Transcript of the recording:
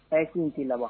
A yekun tɛi laban